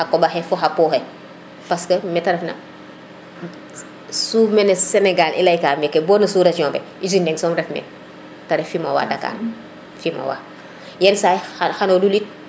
xa coɓaxe fa xa pot xe parce que mete ref na so mene Sénégal i leyka meke bo na sous region ke usine leŋ soom ref meen te ref Fimao Dackar Fimao yenisaay xano lulit